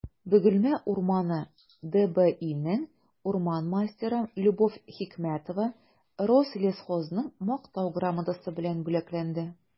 «бөгелмә урманы» дбинең урман мастеры любовь хикмәтова рослесхозның мактау грамотасы белән бүләкләнде